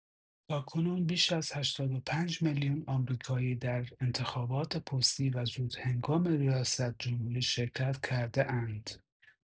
تاکنون بیش از ۸۵ میلیون آمریکایی در انتخابات پستی و زودهنگام ریاست‌جمهوری شرکت کرده‌اند.